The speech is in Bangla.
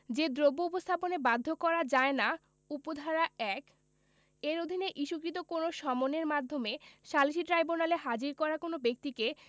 যে দ্রব্য উপস্থাপনের বাধ্য করা যায় না উপ ধারা ১ এর অধীনে ইস্যুকৃত কোন সমনের মাধ্যমে সালিসী ট্রাইব্যুনালে হাজির করা কোন ব্যক্তিকে